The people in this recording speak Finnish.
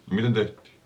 miten tehtiin